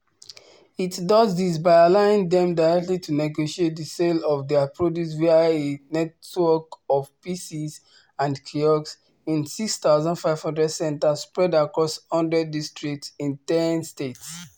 It does this by allowing them directly to negotiate the sale of their produce via a network of PCs and kiosks in 6,500 centres spread across 100 districts in 10 states.